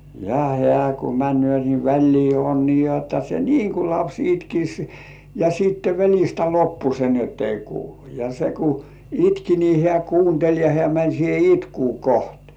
ja hän kun menee niin väliin on niin jotta se niin kuin lapsi itkisi ja sitten välistä loppui se niin jotta ei kuulu ja se kun itki niin hän kuunteli ja hän meni siihen itkua kohti